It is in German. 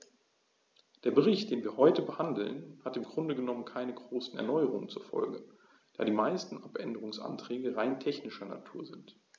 Der Bericht, den wir heute behandeln, hat im Grunde genommen keine großen Erneuerungen zur Folge, da die meisten Abänderungsanträge rein technischer Natur sind.